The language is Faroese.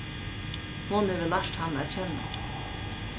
hon hevur lært hann at kenna